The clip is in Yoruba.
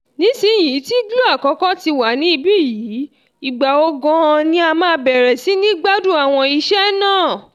Nísìnyìí tí Glo-1 ti wà ní ibì yìí, ìgbà wo gan ni a máa bẹ̀rẹ̀ sí ní gbádùn àwọn iṣẹ́ náà?